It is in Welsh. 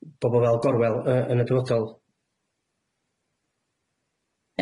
bobol fel Gorwel yy yn y dyfodol.